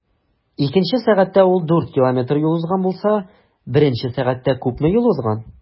Икенче сәгатьтә ул 4 км юл узган булса, беренче сәгатьтә күпме юл узган?